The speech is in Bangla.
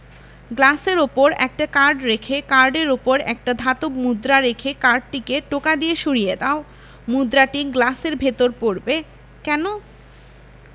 গ্লাসের উপর একটা কার্ড রেখে কার্ডের উপর একটা ধাতব মুদ্রা রেখে কার্ডটিকে টোকা দিয়ে সরিয়ে দাও মুদ্রাটি গ্লাসের ভেতর পড়বে কেন